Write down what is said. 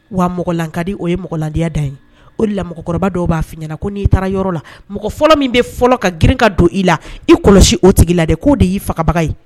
Wa mɔgɔlanka di o ye mɔgɔladenya da ye o la mɔgɔkɔrɔba dɔw b'a fɔ ɲɛna ko n'i taara yɔrɔ la mɔgɔ fɔlɔ min bɛ fɔlɔ ka girinka don i la i kɔlɔsi o tigi la dɛ k'o de y'i fagabaga ye